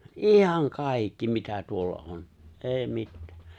ihan kaikki mitä tuolla on ei mitään